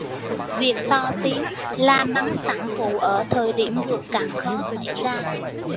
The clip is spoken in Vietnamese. việc to tiếng la mắng sản phụ ở thời điểm vượt cạn khó xảy ra